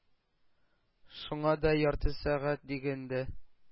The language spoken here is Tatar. Шуңа да ярты сәгать дигәндә